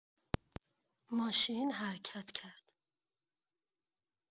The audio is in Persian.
ماشین حرکت کرد.